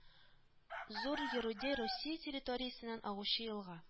Зур Ярудей Русия территориясеннән агучы елга